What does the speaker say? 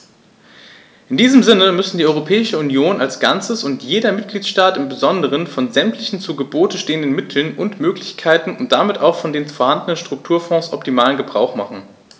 In diesem Sinne müssen die Europäische Union als Ganzes und jeder Mitgliedstaat im Besonderen von sämtlichen zu Gebote stehenden Mitteln und Möglichkeiten und damit auch von den vorhandenen Strukturfonds optimalen Gebrauch machen.